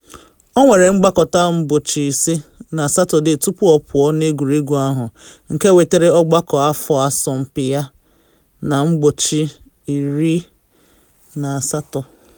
Ọ nwere mgbakọta mgbochi ise na Satọde tupu ọ pụọ n’egwuregwu ahụ, nke wetere mgbakọ afọ asọmpi ya na mgbochi 18.